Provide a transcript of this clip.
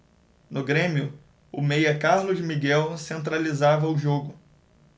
no grêmio o meia carlos miguel centralizava o jogo